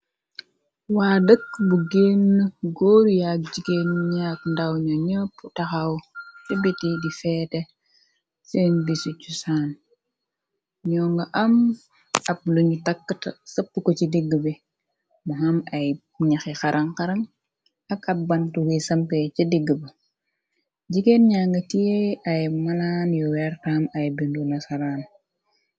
Waa dëkk bu génn góoru yaag jigeen ñaak ndaw ña ñepp taxaw tabiti di feete seen bi su cu saan ñoo nga am ab luñu takkta sëpp ko ci digg bi mu ham ay ñaxi xaran-xaram ak ab bant wi sampey ca digg ba jigeen ñanga tieey ay manaan yu wertam ay bindu na saraan.